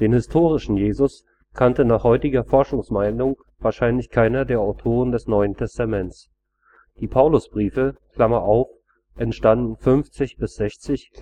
historischen Jesus kannte nach heutiger Forschungsmeinung wahrscheinlich keiner der Autoren des Neuen Testaments. Die Paulusbriefe (entstanden 50 – 60